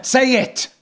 Say it!